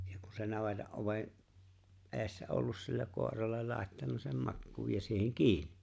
ja kun se navetan oven edessä ollut sillä koiralle laittanut sen makuun ja siihen kiinni